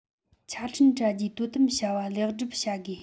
ཆ འཕྲིན དྲ རྒྱའི དོ དམ བྱ བ ལེགས སྒྲུབ བྱ དགོས